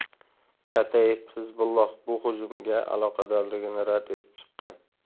kataib hizbulloh bu hujumlarga aloqadorligini rad etib chiqqan